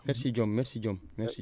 merci Diome merci Diome merci